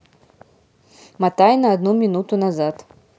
мотай на одну минуту назад